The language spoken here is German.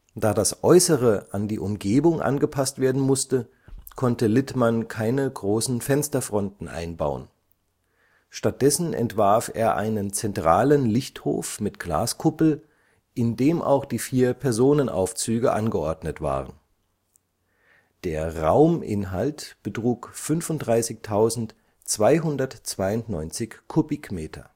Da das Äußere an die Umgebung angepasst werden musste, konnte Littmann keine großen Fensterfronten einbauen. Stattdessen entwarf er einen zentralen Lichthof mit Glaskuppel in dem auch die vier Personenaufzüge angeordnet waren. Der Rauminhalt betrug 35.292 m³